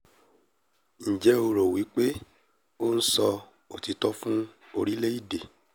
Ǹjẹ́ o rò wí pé ó ń sọ òtítọ́ fún orílẹ̀-èdè?